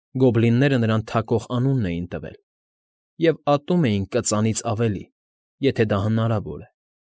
Գոբլինները նրան Թակող անունն էին տվել և ատում էին Կծանից ավելի, եթե դա հնարավոր է։